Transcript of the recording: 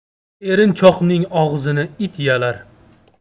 erinchoqning og'zini it yalar